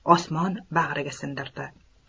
osmon bag'riga singdirdi